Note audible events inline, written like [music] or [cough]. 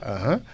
[hesitation] [hesitation]